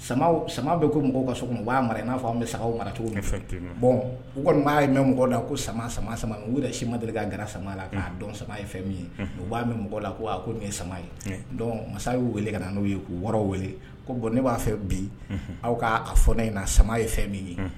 Sama sama bɛ ko mɔgɔ ka so u b'a mara n'a aw bɛ sama mara cogo bɔn'a ye mɛn mɔgɔ la ko sama sama sama u wulila si ma deli k' g sama la k'a dɔn sama ye fɛn min ye u b'a mɛn mɔgɔ la ko ko nin sama ye masa y ye weele ka na n'o ye k' wɔɔrɔ wele ko bɔn ne b'a fɛ bi aw k' a fɔ in na sama ye fɛn min ye